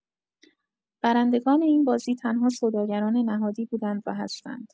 برنده‌گان این بازی تنها سوداگران نهادی بودند و هستند.